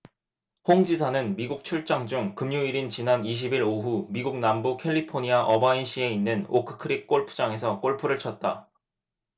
홍 지사는 미국 출장 중 금요일인 지난 이십 일 오후 미국 남부 캘리포니아 어바인시에 있는 오크 크릭 골프장에서 골프를 쳤다